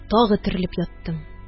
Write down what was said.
Тагы төрелеп яттым.